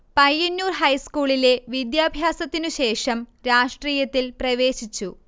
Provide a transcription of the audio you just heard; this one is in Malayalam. പയ്യന്നൂർ ഹൈസ്കൂളിലെ വിദ്യാഭ്യാസത്തിനു ശേഷം രാഷ്ട്രീയത്തിൽ പ്രവേശിച്ചു